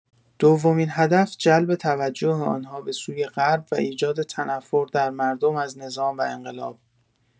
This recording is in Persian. دومین هدف جلب توجه آنها به سوی غرب و ایجاد تنفر در مردم از نظام و انقلاب